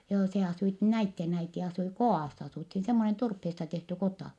joo se asuivat näiden äiti asui kodassa asuttiin semmoinen turpeesta tehty kota